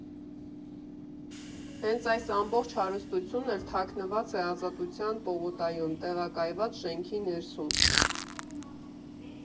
Հենց այս ամբողջ հարստությունն էլ թաքնված է Ազատության պողոտայում տեղակայված շենքի ներսում։